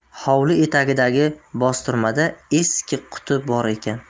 hovli etagidagi bostirmada eski quti bor ekan